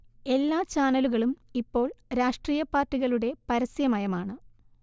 എല്ലാ ചാനലുകളും ഇപ്പോൾ രാഷ്ട്രീയ പാർട്ടികളുടെ പരസ്യ മയമാണ്